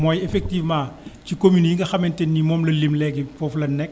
mooy effectivement ci communes yi nga xamante ni moom la lim léegi foofu lan nekk